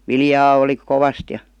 viljaa oli kovasti ja